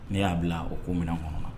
Ne y'a bila o komin kɔnɔ